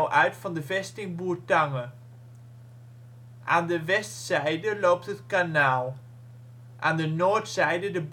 uit van de vesting Bourtange. Aan de westzijde loopt het kanaal. Aan de noordzijde de